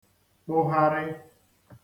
kpụgharị̄